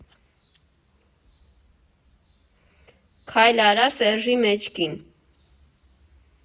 ֊ Քայլ արա Սեռժի մեջքին։